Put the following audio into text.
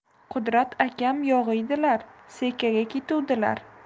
qudrat akam yo'g'iydilar sekaga ketuvdilar